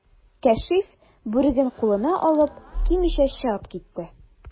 Кәшиф, бүреген кулына алып, кимичә чыгып китте.